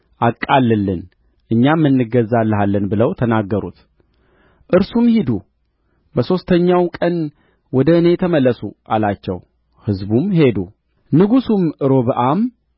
አቃልልልን እኛም እንገዛልሃለን ብለው ተናገሩት እርሱም ሂዱ በሦስተኛውም ቀን ወደ እኔ ተመለሱ አላቸው ሕዝቡም ሄዱ ንጉሡም ሮብዓም